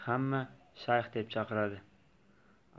hamma shayx deb chaqiradi